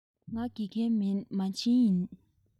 ང དགེ རྒན མིན མ བྱན ཡིན